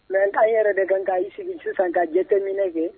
Nka'an yɛrɛ de dɔn k''i sigi sisan ka jɛ tɛminɛ kɛ